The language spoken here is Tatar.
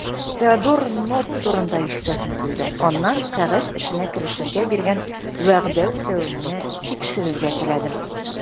Теодор Нотт турында ишетәсем килде, аннан кәгазь эшенә керешергә биргән вәгъдә үтәвеңне тикшерергә теләдем.